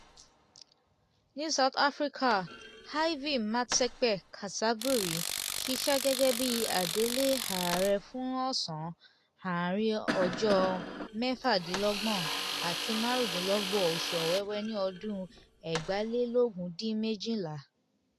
Ní South Africa, Ivy Matsepe-Cassaburi, ṣiṣẹ́ gẹ́gẹ́ bíi adelé ààrẹ fún ọ̀sán àárín ọjọ́ 24 àti 25 oṣù Ọ̀wẹ̀wẹ̀, ọdún 2008.